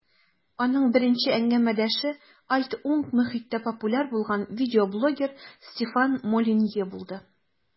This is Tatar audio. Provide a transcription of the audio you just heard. Аның беренче әңгәмәдәше "альт-уң" мохиттә популяр булган видеоблогер Стефан Молинье булды.